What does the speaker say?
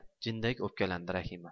jindek o'pkalandi rahima